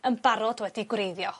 yn barod wedi gwreiddio.